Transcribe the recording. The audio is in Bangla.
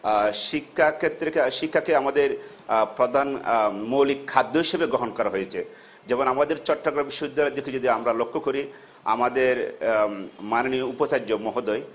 শিক্ষা ক্ষেত্রে শিক্ষা কে আমাদের প্রধান মৌলিক খাদ্য হিসেবে গ্রহণ করা হয়েছে যেমন আমাদের চট্টগ্রাম বিশ্ববিদ্যালয় থেকে আমরা যদি লক্ষ্য করি দের উপাচার্য মহোদয়